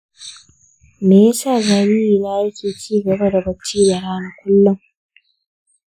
me ya sa jaririna yake ci gaba da bacci da rana kullum?